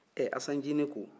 ɛ asan ncinin ko